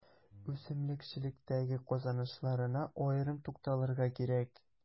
Үсемлекчелектәге казанышларына аерым тукталырга кирәк.